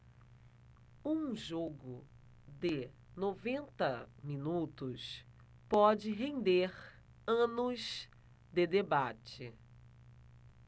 um jogo de noventa minutos pode render anos de debate